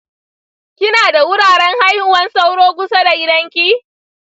kina da wuraren haihuwar sauro kusa da gidanki?